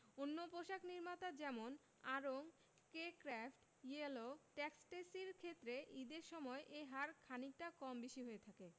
অন্য পোশাক নির্মাতা যেমন আড়ং কে ক্র্যাফট ইয়েলো এক্সট্যাসির ক্ষেত্রে ঈদের সময় এ হার খানিকটা কম বেশি হয়ে থাকে